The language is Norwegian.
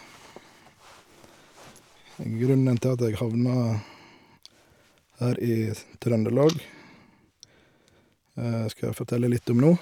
Grunnen til at jeg havna her i Trøndelag skal jeg fortelle litt om nå.